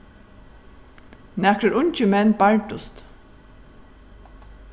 nakrir ungir menn bardust